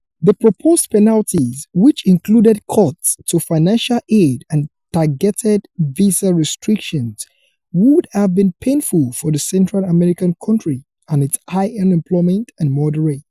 The proposed penalties, which included cuts to financial aid and targeted visa restrictions, would have been painful for the Central American country and its high unemployment and murder rates.